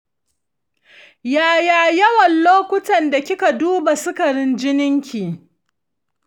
ya ya yawan lokutan da kike duba sikarin jininki?